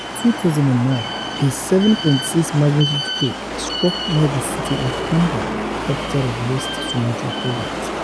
2009: A 7.6 magnitude quake struck near the city of Padang, capital of West Sumatra province.